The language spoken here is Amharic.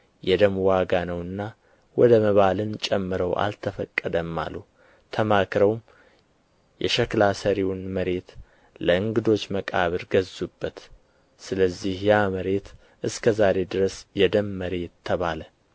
የደም ዋጋ ነውና ወደ መባ ልንጨምረው አልተፈቀደም አሉ ተማክረውም የሸክላ ሠሪውን መሬት ለእንግዶች መቃብር ገዙበት ስለዚህ ያ መሬት እስከ ዛሬ ድረስ የደም መሬት ተባለ